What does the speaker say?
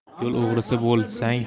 yo'l o'g'risi bo'lsang